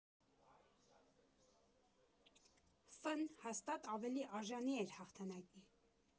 Ֆ֊ն հաստատ ավելի արժանի էր հաղթանակի։